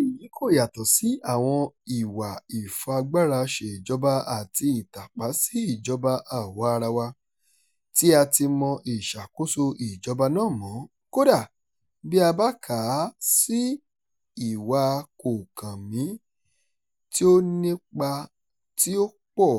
Èyí kò yàtọ̀ sí àwọn ìwà ìfagbáraṣèjọba àti ìtàpá sí ìjọba àwa-arawa tí a ti mọ ìṣàkóso ìjọba náà mọ́n, kódà bí a bá kà á sí ìwàa kò kàn mí, tí ó nípa tí ó pọ̀